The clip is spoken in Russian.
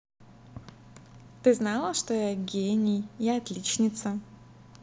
ты знала что я гений я отличница